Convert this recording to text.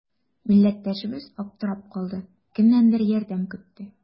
Милләттәшебез аптырап калды, кемнәндер ярдәм көтте.